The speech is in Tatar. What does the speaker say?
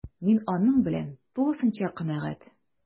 Мин аның белән тулысынча канәгать: